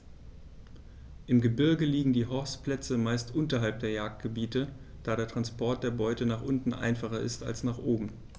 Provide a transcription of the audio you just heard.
Im Gebirge liegen die Horstplätze meist unterhalb der Jagdgebiete, da der Transport der Beute nach unten einfacher ist als nach oben.